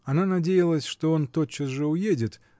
Она надеялась, что он тотчас же уедет